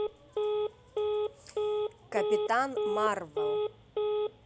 капитан марвел